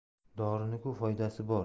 dorini ku foydasi bor